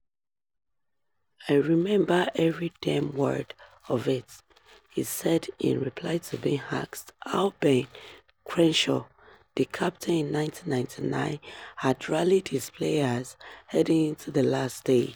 "I remember every damn word of it," he said in reply to being asked how Ben Crenshaw, the captain in 1999, had rallied his players heading into the last day.